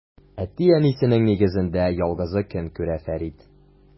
Әти-әнисенең нигезендә ялгызы көн күрә Фәрид.